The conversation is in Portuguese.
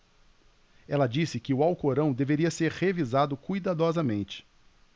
ela disse que o alcorão deveria ser revisado cuidadosamente